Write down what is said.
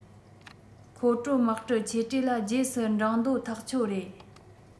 མཁོ སྤྲོད དམག གྲུ ཆེ གྲས ལ རྗེས སུ འབྲངས འདོད ཐག ཆོད རེད